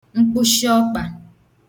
mkpụshịọkpà